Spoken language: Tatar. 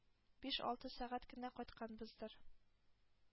Биш-алты сәгать кенә кайтканбыздыр.